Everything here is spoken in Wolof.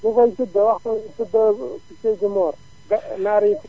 bu koy tuud wax ko mu tuddee ko sëydi Mor